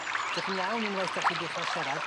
'ddych chi'n iawn unwaith 'dach chi dechra siarad.